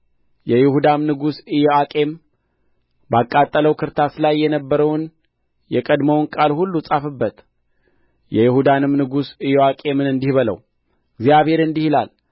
የይሁዳም ንጉሥ ኢዮአቄም ባቃጠለው ክርታስ ላይ የነበረውን የቀድሞውን ቃል ሁሉ ጻፍበት የይሁዳንም ንጉሥ ኢዮአቄምን እንዲህ በለው እግዚአብሔር እንዲህ ይላል